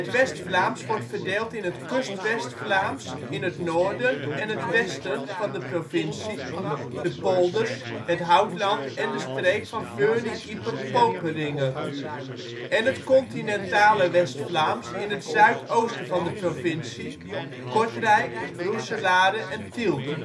West-Vlaams wordt verdeeld in het Kust-West-Vlaams in het noorden en het westen van de provincie (de Polders, het Houtland en de streek van Veurne-Ieper-Poperinge) en het Continentale West-Vlaams in het zuidoosten van de provincie (Kortrijk, Roeselare, Tielt